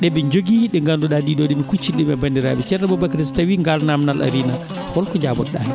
ɗe ɓe jogii ɗe ngannduɗaa ɗiɗo ɗiɓi kuccini ɗum e banndiraaɓe ceerno Aboubacry si tawii ngaal naamndal arii nak holko jaabotoɗaa heen